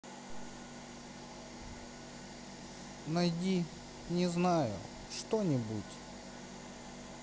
найди не знаю что нибудь